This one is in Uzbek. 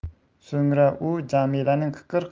so'ngra u jamilaning qiqir